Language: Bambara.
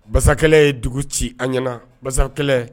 Bakɛla ye dugu ci an ɲ basakɛla